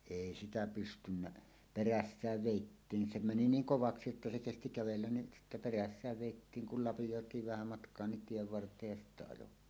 ei sitä pystynyt perässä vedettiin se meni niin kovaksi että se kesti kävellä niin sitten perässä vedettiin kun lapioitiin vähän matkaa niin tien varteen ja sitten ajoi